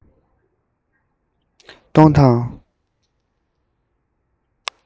གཏོད དང